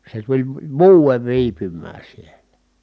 se tuli -- vuoden viipymään siellä